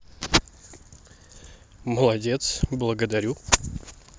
молодец благодарю